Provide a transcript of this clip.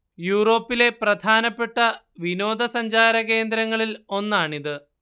യൂറോപ്പിലെ പ്രധാനപ്പെട്ട വിനോദ സഞ്ചാര കേന്ദ്രങ്ങളിൽ ഒന്നാണിത്